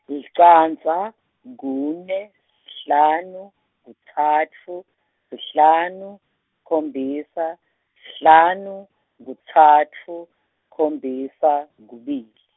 licandza kune sihlanu kutsatfu sihlanu sikhombisa sihlanu kutsatfu sikhombisa kubili.